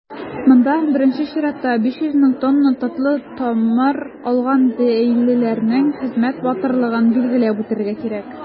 Монда, беренче чиратта, 500 мең тонна татлы тамыр алган зәйлеләрнең хезмәт батырлыгын билгеләп үтәргә кирәк.